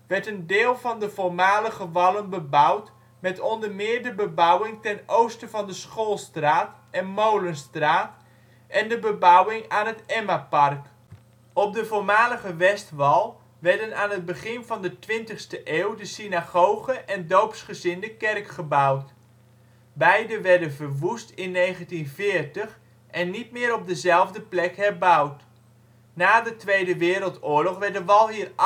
werd een deel van de voormalige wallen bebouwd met onder meer de bebouwing ten oosten van de Schoolstraat en Molenstraat en de bebouwing aan het Emmapark. Op de voormalige westwal werden aan het begin van de twintigste eeuw de synagoge en doopsgezinde kerk gebouwd. Beiden werden verwoest in 1940 en niet meer op de zelfde plek herbouwd. Na de Tweede Wereldoorlog werd de wal hier afgegraven